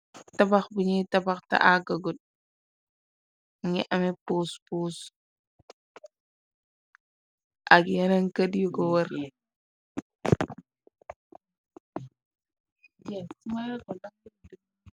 Tabax bi ñuy tabax te àggagut. Ngi amé pos pos ak yanankët yu ko war yi.